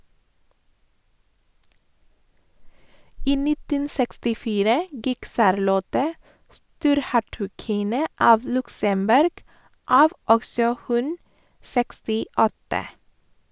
I 1964 gikk Charlotte, storhertuginne av Luxembourg, av, også hun 68.